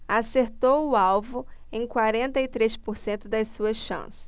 acertou o alvo em quarenta e três por cento das suas chances